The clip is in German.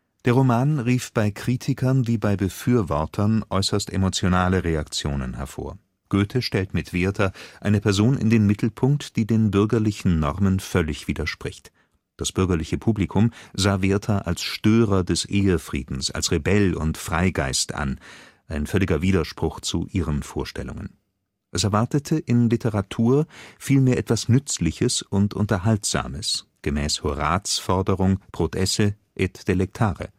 Der Roman rief bei Kritikern wie bei Befürwortern äußerst emotionale Reaktionen hervor. Goethe stellt mit Werther eine Person in den Mittelpunkt, die den bürgerlichen Normen völlig widerspricht. Das bürgerliche Publikum sah Werther als Störer des Ehefriedens, als Rebell und Freigeist an – ein völliger Widerspruch zu ihren Vorstellungen. Es erwartete in Literatur vielmehr etwas Nützliches und Unterhaltsames (gemäß Horaz’ Forderung „ prodesse et delectare